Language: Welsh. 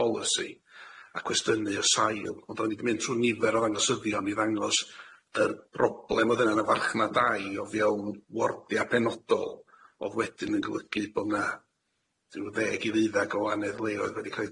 bolisi a cwestynnu o sail ond o'n i di mynd trw nifer o ddangosyddion i ddangos yr broblem o'dd yna yn y farchnad dai o fewn wardia' penodol o'dd wedyn yn golygu bo' na t'n'w ddeg i ddeuddag o anedd leoedd wedi ca'l ei